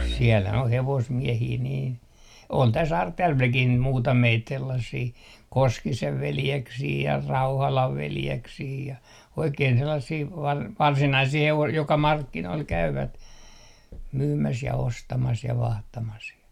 siellähän on hevosmiehiä niin oli tässä Artjärvelläkin niitä muutamia sellaisia Koskisen veljeksiä ja Rauhalan veljeksiä ja oikein sellaisia - varsinaisia - joka markkinoilla käyvät myymässä ja ostamassa ja vaihtamassa ja